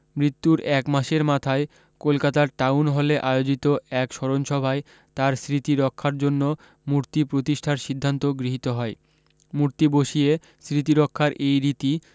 মৃত্যুর এক মাসের মাথায় কলকাতার টাউন হলে আয়োজিত এক স্মরণসভায় তার স্মৃতি রক্ষার জন্য মূর্তি প্রতিষ্ঠার সিদ্ধান্ত গৃহীত হয় মূর্তি বসিয়ে স্মৃতি রক্ষার এই রীতি